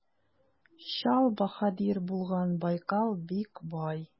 Чал баһадир булган Байкал бик бай.